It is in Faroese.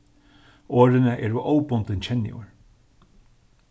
orðini eru óbundin kenniorð